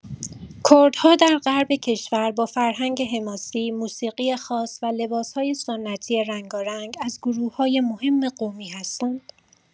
کردها در غرب کشور با فرهنگ حماسی، موسیقی خاص و لباس‌های سنتی رنگارنگ، از گروه‌های مهم قومی هستند.